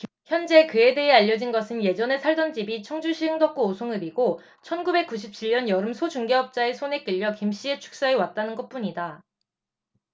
현재 그에 대해 알려진 것은 예전에 살던 집이 청주시 흥덕구 오송읍이고 천 구백 구십 칠 년 여름 소 중개업자의 손에 끌려 김씨의 축사에 왔다는 것뿐이다